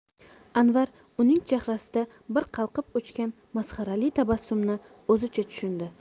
anvar uning chehrasida bir qalqib o'chgan masxarali tabassumni o'zicha tushundi